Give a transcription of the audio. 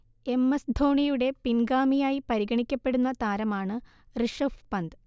M S ധോണിയുടെ പിൻഗാമിയായി പരിഗണിക്കപ്പെടുന്ന താരമാണ് ഋഷഭ് പന്ത്